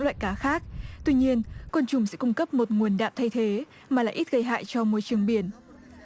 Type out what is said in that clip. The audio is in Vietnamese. loại cá khác tuy nhiên côn trùng sẽ cung cấp một nguồn đạm thay thế mà lại ít gây hại cho môi trường biển